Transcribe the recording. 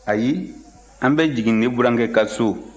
ayi an bɛ jigin ne burankɛ ka so